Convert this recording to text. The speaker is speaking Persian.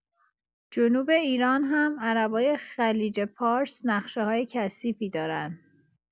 جنوب ایران هم عربای خلیج پارس نقشه‌های کثیفی دارن